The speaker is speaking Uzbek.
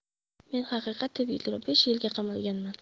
men haqiqat deb yigirma besh yilga qamalganman